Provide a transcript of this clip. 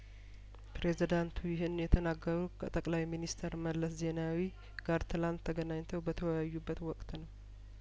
ፕሬዝዳንቱ ይኸን የተናገሩት ከጠቅላይ ሚኒስተር መለስ ዜናዊ ጋር ትናንት ተገናኝተው በተወያዩበት ወቅት ነው